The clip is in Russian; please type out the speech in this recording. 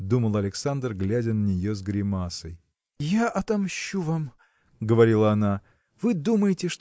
– думал Александр, глядя на нее с гримасой. – Я отмщу вам – говорила она – вы думаете